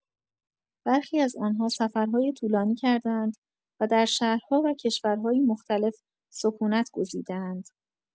برخی از آن‌ها سفرهای طولانی کرده‌اند و در شهرها و کشورهایی مختلف سکونت گزیده‌اند.